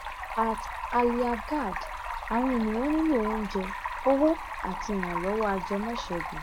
@AlyaaGad Àwọn ènìyàn nílò oúnjẹ, owó àti ìrànlọ́wọ́ ajẹmọ́ṣègùn!